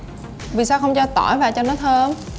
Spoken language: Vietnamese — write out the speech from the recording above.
vì sao không cho tỏi vào cho nó thơm